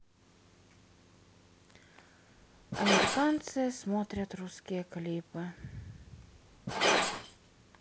американцы смотрят русские клипы